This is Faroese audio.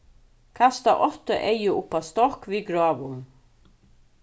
kasta átta eygu upp á stokk við gráum